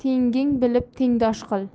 tenging bilib tengdosh qil